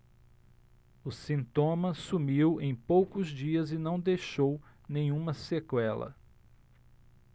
o sintoma sumiu em poucos dias e não deixou nenhuma sequela